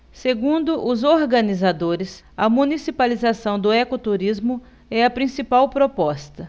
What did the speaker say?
segundo os organizadores a municipalização do ecoturismo é a principal proposta